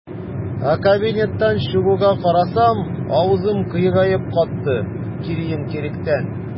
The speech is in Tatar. Ә кабинеттан чыгуга, карасам - авызым кыегаеп катты, киеренкелектән.